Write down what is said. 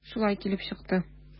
Шулай килеп чыкты.